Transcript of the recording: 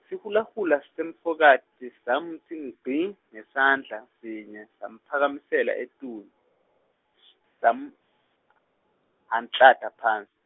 sihulahula semfokati samutsi ngci ngesandla sinye samphakamisela etulu sam- -anklata phasi.